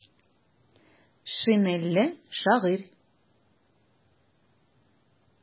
Шинельле шагыйрь.